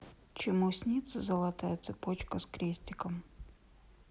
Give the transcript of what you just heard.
чему снится золотая цепочка с крестиком